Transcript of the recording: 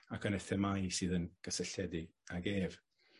ac yn y themâu sydd yn gysylltiedig ag ef.